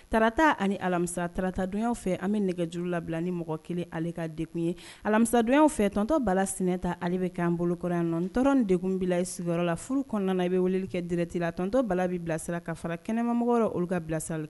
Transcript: Tarata ani alamisa, tarata donyaw fɛ, an bɛ nɛgɛjuru labila ni mɔgɔ kelen ale ka degun ye. Alamisadonya fɛ tonton Bala Sinɛnta, ale bɛ kɛ an bolokɔrɔ yan ni tɔɔrɔ ni degun y'aw sɔrɔ sigiyɔrɔ la furu kɔnɔna, a bɛ weeleli kɛ direct la tonton Bala b'i bilasira ka fara kɛnɛmamɔgɔw olu ka bilasiral kan.i